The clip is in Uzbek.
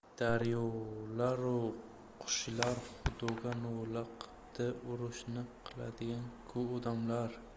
daryolaru qushlar xudoga nola qipti urushni qiladigan ku odamlar